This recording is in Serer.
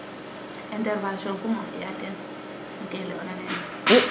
intervention fum o fiya teen noke leyona nene